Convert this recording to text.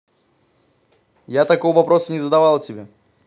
я такого вопроса не задавал тебе